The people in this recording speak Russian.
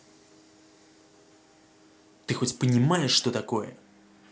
ты хоть понимаешь что такое